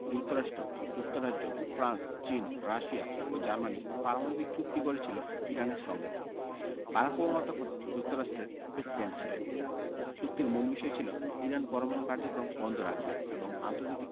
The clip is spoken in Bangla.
যুক্তরাষ্ট্র যুক্তরাজ্য ফ্রান্স চীন রাশিয়া ও জার্মানি পারমাণবিক চুক্তি করেছিল ইরানের সঙ্গে বারাক ওবামা তখন যুক্তরাষ্ট্রের প্রেসিডেন্ট ছিলেন চুক্তির মূল বিষয় ছিল ইরান পরমাণু কার্যক্রম বন্ধ রাখবে এবং আন্তর্জাতিক